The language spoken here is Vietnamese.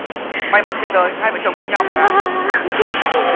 may mắn sẽ tới hai vợ chồng ôm nhau một cái